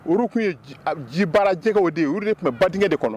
Olu tun ye ji baarajɛw de ye olu de tun bajɛ de kɔnɔ